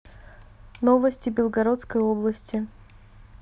новости белгородской области